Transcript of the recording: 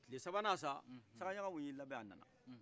tile sabanan saa sagaɲagamu ye i labɛn a nana